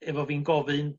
efo fi'n gofyn